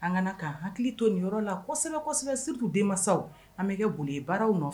An ka kan k'an hakili to nin yɔrɔ la kosɛbɛ kosɛbɛ - -surtout denmansaw. An bɛ kɛ boli ye baaraw nɔfɛ